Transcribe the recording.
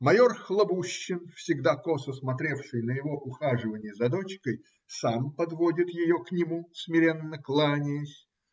майор Хлобущин, всегда косо смотревший на его ухаживанье за дочкой, сам подводит ее к нему, смиренно кланяясь.